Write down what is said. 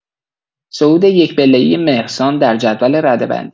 صعود یک‌پله‌ای مهرسان در جدول رده‌بندی